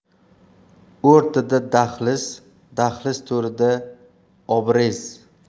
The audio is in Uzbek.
o'rtada dahliz dahliz to'rida obrez